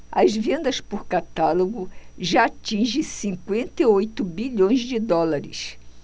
as vendas por catálogo já atingem cinquenta e oito bilhões de dólares